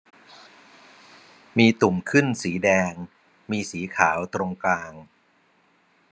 มีตุ่มขึ้นสีแดงมีสีขาวตรงกลาง